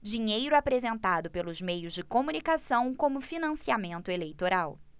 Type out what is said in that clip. dinheiro apresentado pelos meios de comunicação como financiamento eleitoral